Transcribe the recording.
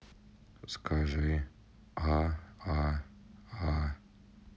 скажи а а а